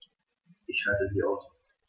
Ich schalte sie aus.